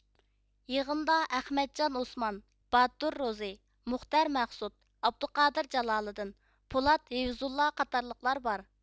يىغىندا ئەخمەتجان ئوسمان باتۇر روزى مۇختار مەخسۇت ئابدۇقادىر جالالىدىن پولات ھېۋزۇللا قاتارلىقلار بار